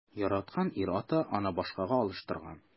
Яраткан ир-аты аны башкага алыштырган.